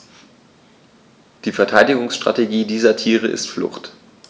Die Verteidigungsstrategie dieser Tiere ist Flucht.